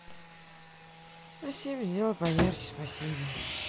спасибо сделай поярче спасибо